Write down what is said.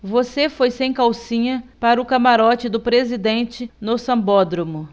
você foi sem calcinha para o camarote do presidente no sambódromo